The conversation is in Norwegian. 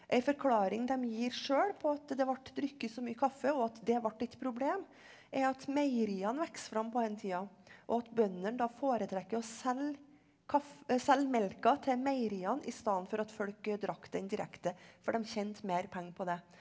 ei forklaring dem gir sjøl på at det ble drukket så mye kaffe og at det ble et problem er at meieriene vokser fram på denne tiden og at bøndene da foretrekker å selge selge melka til meieriene istedenfor at folk drakk den direkte for dem tjente mer penger på det.